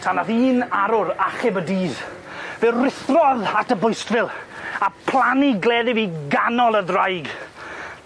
Tan nath un arwr achub y dydd fe ruthrodd at y bwystfil a plannu gleddyf i ganol y ddraig.